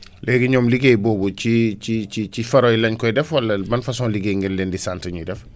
léegi ñoom liggéey boobu ci ci ci ci faro yi laén koy def wala ban façon liggéey ngeen leen di sant ñuy def